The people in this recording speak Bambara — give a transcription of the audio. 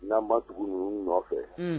N'a ma tugu ninnu nɔfɛ; Un.